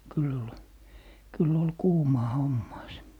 kyllä oli kyllä oli kuumaa hommaa se